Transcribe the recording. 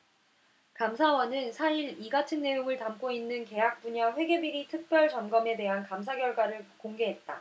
감사원은 사 일 이 같은 내용을 담고 있는 계약 분야 회계비리 특별점검에 대한 감사 결과를 공개했다